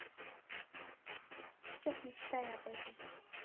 сейчас мечтаю об этом